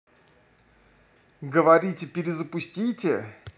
говорите перезапустите